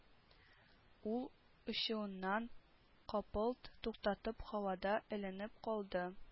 Ул очуыннан капылт туктатып һавада эленеп калды